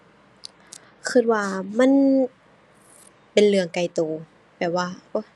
คิดว่ามันเป็นเรื่องไกลคิดแบบว่า โอ๊ะ